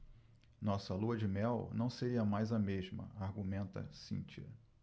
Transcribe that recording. nossa lua-de-mel não seria mais a mesma argumenta cíntia